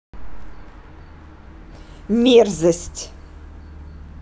мерзость